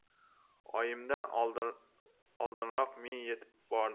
oyimdan oldinroq men yetib bordim